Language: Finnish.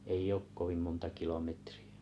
ei ole kovin monta kilometriä